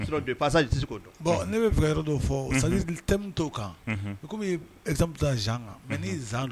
Ne kan kan